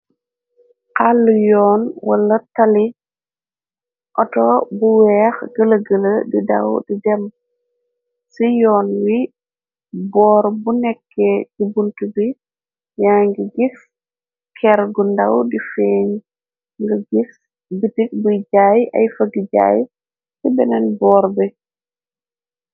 Xallu yoon wala tali auto bu weex gëlagëlë di daw di dem ci yoon wi boor bu nekke gi bunt bi ya ngi gifs kergu ndaw di feeñ nga giss gitig buy jaay ay feg jaay ce beneen boor bi.